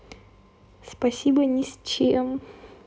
спасибо ни с чем